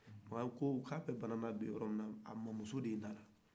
makan ko k'a bɛ bana labin yɔrɔ min na a mɔmuso de nana